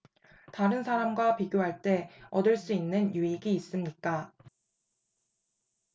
다른 사람과 비교할 때 얻을 수 있는 유익이 있습니까